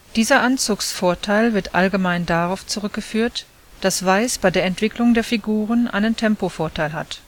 Dieser Anzugsvorteil wird allgemein darauf zurückgeführt, dass Weiß bei der Entwicklung der Figuren einen Tempovorteil hat